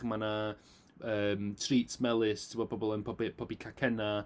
Mae 'na yym trîts melys, timod pobl yn pobi pobi cacennau.